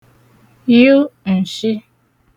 yụ ǹshị